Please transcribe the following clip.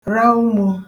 ra umō